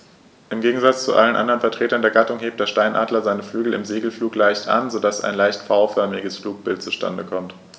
Im Gegensatz zu allen anderen Vertretern der Gattung hebt der Steinadler seine Flügel im Segelflug leicht an, so dass ein leicht V-förmiges Flugbild zustande kommt.